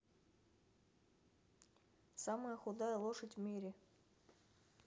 самая худая лошадь в мире